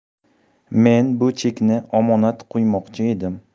men bu chekni omonat qo'ymoqchi edim